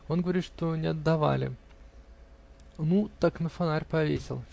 -- Он говорит, что не отдавали. -- Ну, так на фонарь повесил.